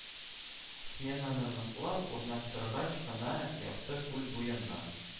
Сменаны ныклап урнаштыргач кына, якты күл буеннан